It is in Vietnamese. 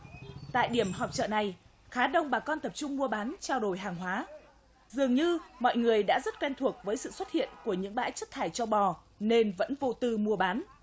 tại điểm họp chợ này khá đông bà con tập trung mua bán trao đổi hàng hóa dường như mọi người đã rất quen thuộc với sự xuất hiện của những bãi chất thải trâu bò nên vẫn vô tư mua bán